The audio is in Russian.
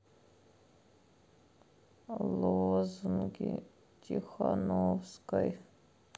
лозунги тихановской